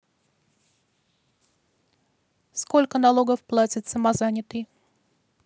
сколько налогов платит самозанятый